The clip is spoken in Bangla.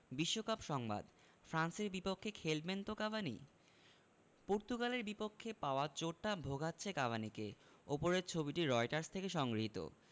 বিশ্বকাপ সংবাদ ফ্রান্সের বিপক্ষে খেলবেন তো কাভানি পর্তুগালের বিপক্ষে পাওয়া চোটটা ভোগাচ্ছে কাভানিকে ওপরের ছবিটি রয়টার্স থেকে সংগৃহীত